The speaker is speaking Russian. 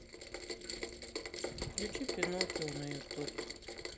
включи пиноккио на ютуб